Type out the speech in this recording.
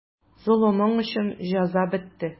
Золымың өчен җәза бетте.